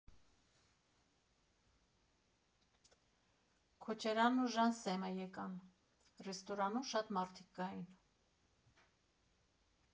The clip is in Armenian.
Քոչարյանն ու Ժանսեմը եկան, ռեստորանում շատ մարդիկ կային։